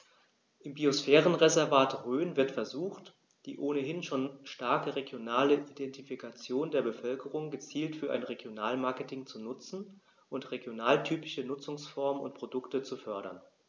Im Biosphärenreservat Rhön wird versucht, die ohnehin schon starke regionale Identifikation der Bevölkerung gezielt für ein Regionalmarketing zu nutzen und regionaltypische Nutzungsformen und Produkte zu fördern.